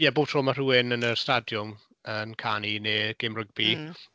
Ie bob tro ma' rhywun yn y stadiwm yn canu neu gêm rygbi... mm.